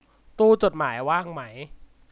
ตู้จดหมายว่างไหม